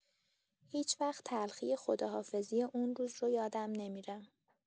هیچ‌وقت تلخی خداحافظی اون روز رو یادم نمی‌ره.